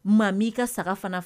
Maa ii ka saga fana